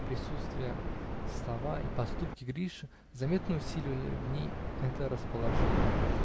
присутствие, слова и поступки Гриши заметно усиливали в ней это расположение.